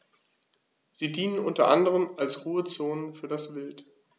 Sie dienen unter anderem als Ruhezonen für das Wild.